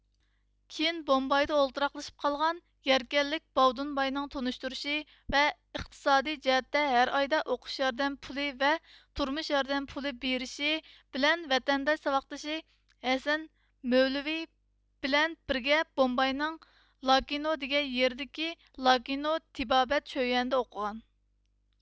كېيىن بومبايدا ئولتۇراقلىشىپ قالغان يەركەنلىك باۋۇدۇن باينىڭ تونۇشتۇرۇشى ۋە ئىقتىسادىي جەھەتتە ھەر ئايدا ئوقۇش ياردەم پۇلى ۋە تۇرمۇش ياردەم پۇلى بېرىشى بىلەن ۋەتەنداش ساۋاقدىشى ھەسەن مۆۋلىۋى بىلەن بىرگە بومباينىڭ لاكىنو دىگەن يېرىدىكى لاكىنو تېبابەت شۆيۈەنىدە ئوقۇغان